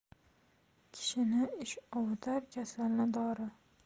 kishini ish ovutar kasalni dori